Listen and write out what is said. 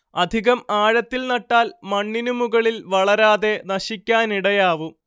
അധികം ആഴത്തിൽ നട്ടാൽ മണ്ണിനു മുകളിൽ വളരാതെ നശിക്കാനിടയാവും